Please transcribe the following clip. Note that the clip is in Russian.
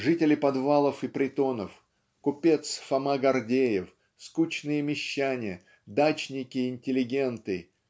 Жители подвалов и притонов купец Фома Гордеев скучные мещане дачники-интеллигенты